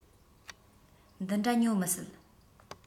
འདི འདྲ ཉོ མི སྲིད